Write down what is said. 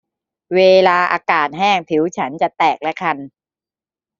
เวลาอากาศแห้งผิวฉันจะแตกและคัน